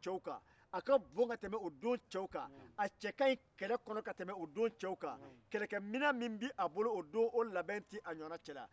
ce ka a ka bon ka tɛmɛ cɛw kan a cɛ ka ɲi kɛlɛ kɔnɔ o don ka tɛmɛ cɛw kan kɛlɛkɛminɛn min bɛ a bolo ɲɔgɔn tɛ cɛ bolo